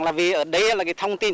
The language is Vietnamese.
là vì ở đây là cái thông tin